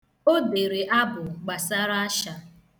O dere abụ gbasara asha.